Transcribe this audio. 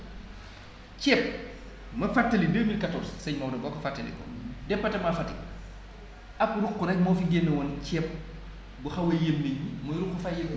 ceeb ma fàttali ni deux mille quatorze sëñ Maodo boo ko fàttalikoo département Fatick am ruq rekk moo fi génnewoon ceeb bu xaw a yéem nit ñi muy ruqu Fayil bi